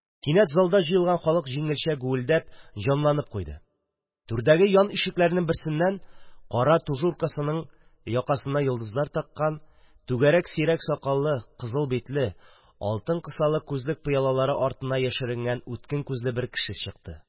Кинәт залда җыелган халык җиңелчә гүелдәп, җанланып куйды: түрдәге ян ишекләрнең берсеннән кара тужуркасының якасына йолдызлар таккан, түгәрәк сирәк сакаллы, кызыл битле, алтын кысалы күзлек пыялалары артына яшеренгән үткен күзле бер кеше чыкты.